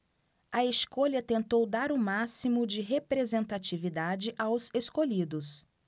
a escolha tentou dar o máximo de representatividade aos escolhidos